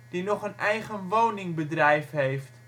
die nog een eigen woningbedrijf heeft